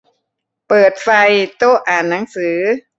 เปิดไฟโต๊ะอ่านหนังสือ